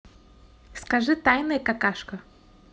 скажи тайная какашка